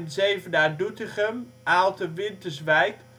Zevenaar - Doetinchem - Aalten - Winterswijk